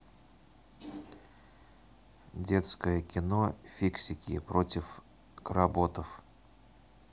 детское кино фиксики против кработов